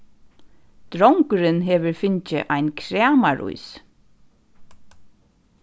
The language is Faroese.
drongurin hevur fingið ein kramarís